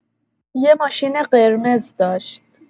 یه ماشین قرمز داشت.